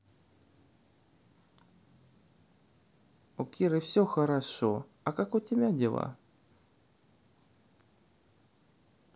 у киры все хорошо а как у тебя дела